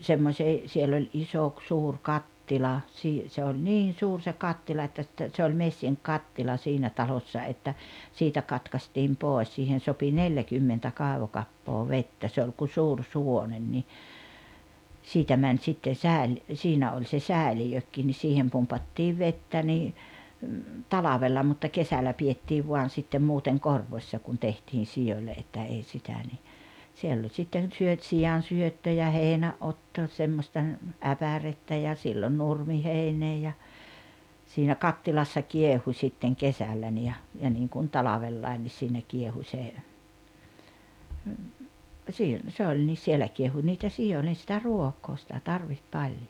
semmoiseen siellä oli iso - suuri kattila - se oli niin suuri se kattila että - että se oli messinkikattila siinä talossa että siitä katkaistiin pois siihen sopi neljäkymmentä kaivokappaa vettä se oli kuin suuri suvonen niin siitä meni sitten - siinä oli se säiliökin niin siihen pumpattiin vettä niin talvella mutta kesällä pidettiin vain sitten muuten korvossa kun tehtiin sioille että ei sitä niin siellä oli sitten - siansyöttö ja heinänotto semmoista äpärettä ja silloin nurmiheinää ja siinä kattilassa kiehui sitten kesällä niin ja ja niin kuin talvella niin siinä kiehui se - se oli niin siellä kiehui niitä sioille sitä ruokaa sitä tarvitsi paljon